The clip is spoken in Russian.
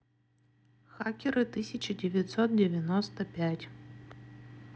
хакеры тысяча девятьсот девяносто пять